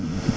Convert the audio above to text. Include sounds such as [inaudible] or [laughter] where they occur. [hesitation] [hesitation]